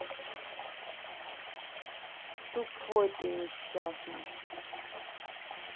тупой ты несчастный